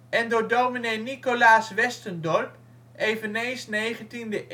en door dominee Nicolaas Westendorp (eveneens 19e eeuw). Er